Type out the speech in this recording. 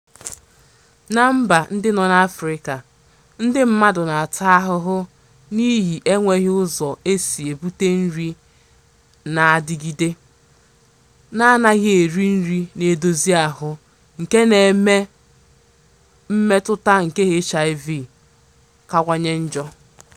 Na mba ndị nọ n'Afrịka, ndị mmadụ na-ata ahụhụ n'ihi enweghị ụzọ esi ebuta nrị na-adigide, na anaghị eri nri na-edozi ahụ nke na-eme mmetụta nke HIV kawanye njọ.